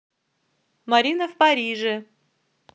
марина в париже